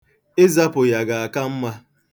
Ịzapụ ya ga-aka mma.